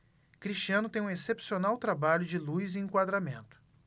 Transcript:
cristiano tem um excepcional trabalho de luz e enquadramento